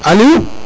Aliou